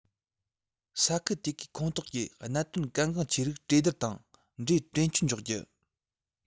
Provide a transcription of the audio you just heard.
ས ཁུལ དེ གའི ཁོངས གཏོགས ཀྱི གནད དོན གལ འགངས ཆེ རིགས གྲོས བསྡུར དང འབྲེལ གྲོས ཆོད འཇོག རྒྱུ